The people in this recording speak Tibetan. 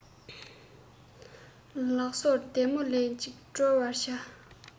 ལག སོར དལ མོས ལེན ཅིག དཀྲོལ བར བྱ